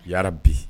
' bi